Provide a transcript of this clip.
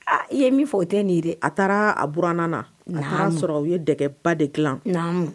Aa ye min fɔ o tɛ nin a taara a ban na a' sɔrɔ u ye dɛgɛba de dilan